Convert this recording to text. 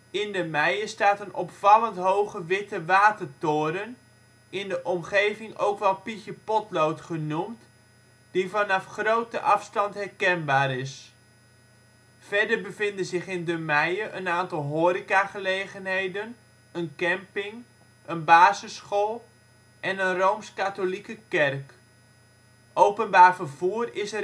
In De Meije staat een opvallend hoge witte watertoren, in de omgeving ook wel Pietje Potlood genoemd, die vanaf grote afstand herkenbaar is. Verder bevinden zich in De Meije een aantal horecagelegenheden, een camping, een basisschool en een Rooms-Katholieke kerk. Openbaar vervoer is